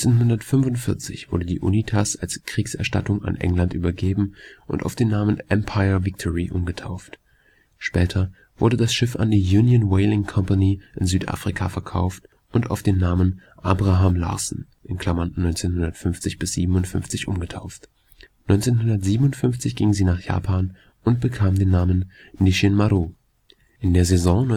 1945 wurde die Unitas als Kriegserstattung an England übergeben und auf den Namen Empire Victory umgetauft. Später wurde das Schiff an die „ Union Whaling Company “in Südafrika verkauft und auf den Namen Abraham Larsen (1950 – 57) umgetauft; 1957 ging sie nach Japan und bekam den Namen Nisshin Maru. In der Saison